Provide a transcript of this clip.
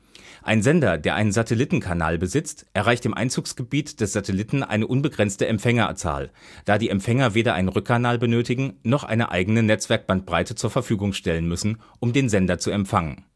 Ein Sender, der einen Satellitenkanal besitzt, erreicht im Einzugsgebiet des Satelliten eine unbegrenzte Empfängerzahl, da die Empfänger weder einen Rückkanal benötigen, noch eine eigene Netzwerkbandbreite zur Verfügung stellen müssen, um den Sender zu empfangen